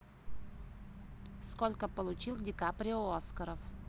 сколько получил ди каприо оскаров